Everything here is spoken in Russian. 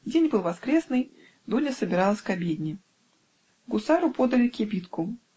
День был воскресный; Дуня собиралась к обедне. Гусару подали кибитку.